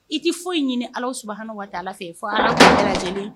I tɛ foyi ɲini ala bisimila ka taa ala fɛ fo ala lajɛlen